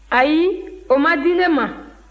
ayi o ma di ne ma